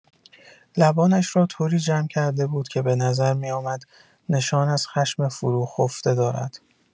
لبانش را طوری جمع کرده بود که به نظر می‌آمد نشان از خشم فروخفته دارد.